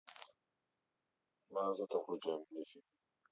мразота включи мне фильм